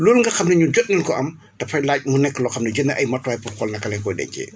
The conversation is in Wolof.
loolu nga xam ne ñun jot nañu ko am dafay laaj mu nekk loo xam ne jël na ay matuwaay pour xool naka lañ koy dencee